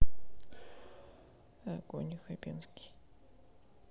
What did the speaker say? огонь хабенский